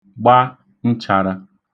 gba nchārā